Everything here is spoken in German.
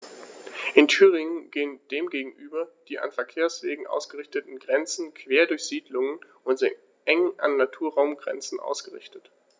In Thüringen gehen dem gegenüber die an Verkehrswegen ausgerichteten Grenzen quer durch Siedlungen und sind eng an Naturraumgrenzen ausgerichtet.